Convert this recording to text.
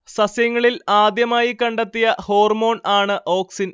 സസ്യങ്ങളിൽ ആദ്യമായി കണ്ടെത്തിയ ഹോർമോൺ ആണ് ഓക്സിൻ